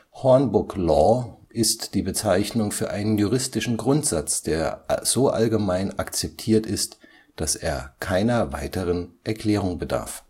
Hornbook Law ist die Bezeichnung für einen juristischen Grundsatz, der so allgemein akzeptiert ist, dass er keiner weiteren Erklärung bedarf